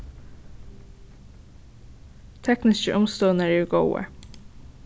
teknisku umstøðurnar eru góðar